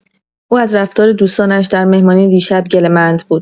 او از رفتار دوستانش در مهمانی دیشب گله‌مند بود.